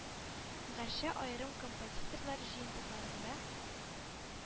Гәрчә аерым композиторлар җыентыкларында